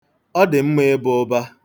Ọ dị mma ịba ụba.